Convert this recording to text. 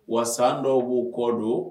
Wa san dɔ b'o kɔ don